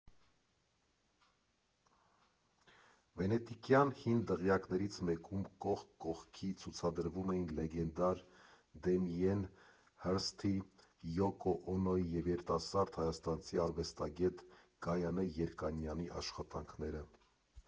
Վենետիկյան հին դղյակներից մեկում կողք կողքի ցուցադրվում էին լեգենդար Դեմիեն Հըրսթի, Յոկո Օնոյի և երիտասարդ հայաստանցի արվեստագետ Գայանե Երկանյանի աշխատանքները։